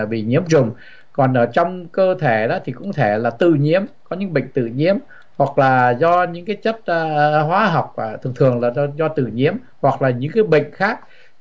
bị nhiễm trùng còn ở trong cơ thể đó thì cũng thể là tự nhiễm có những bệch tự nhiễm hoặc là do những cái chất ờ hóa học và thường thường là do do tự nhiễm hoặc là những cái bệnh khác